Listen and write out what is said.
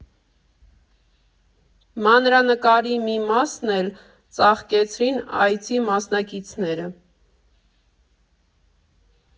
Մանրանկարի մի մասն էլ ծաղկեցրին այցի մասնակիցները։